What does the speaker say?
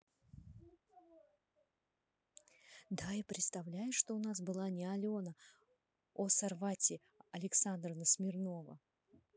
да и представляешь что у нас была не алена о сарасвати александровна смирнова